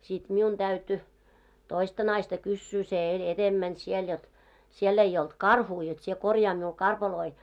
sitten minun täytyi toista naista kysyä se eli edempänä siellä jotta siellä ei ollut karhua jotta sinä korjaa minulle karpaloita